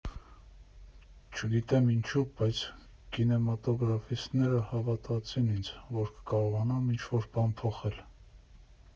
Չգիտեմ՝ ինչու՞, բայց կինեմատոգրաֆիստները հավատացին ինձ, որ կկարողանամ ինչ֊որ բան փոխել։